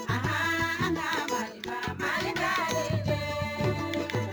San wakari ma tɛ'i le